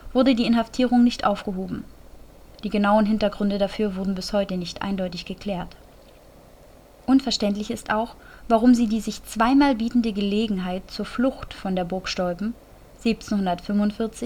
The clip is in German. wurde die Inhaftierung nicht aufgehoben. Die genauen Hintergründe dafür wurden bis heute nicht eindeutig geklärt. Unverständlich ist auch, warum sie die sich zweimal bietende Gelegenheit zur Flucht von der Burg Stolpen (1745 und 1756